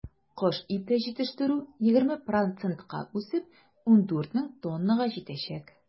Кош ите җитештерү, 20 процентка үсеп, 14 мең тоннага җитәчәк.